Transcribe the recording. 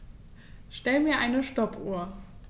Stell mir eine Stoppuhr.